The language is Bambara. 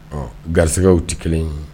Ɔ garisɛgɛw tɛ kelen ye